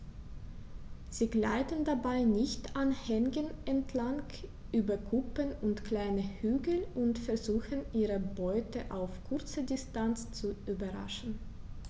Sie gleiten dabei dicht an Hängen entlang, über Kuppen und kleine Hügel und versuchen ihre Beute auf kurze Distanz zu überraschen.